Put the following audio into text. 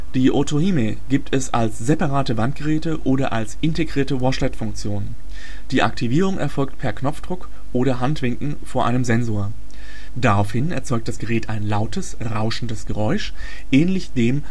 Die Otohime gibt es als separate Wandgeräte oder als integrierte Washlet-Funktion. Die Aktivierung erfolgt per Knopfdruck oder Handwinken vor einem Sensor. Daraufhin erzeugt das Gerät ein lautes, rauschendes Geräusch ähnlich dem